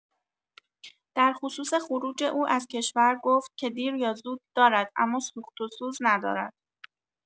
در خصوص خروج او از کشور گفت که دیر یا زود دارد اما سوخت و سوز ندارد.